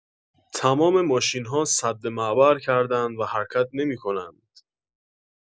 تمام ماشین‌ها سدمعبر کردند و حرکت نمی‌کنند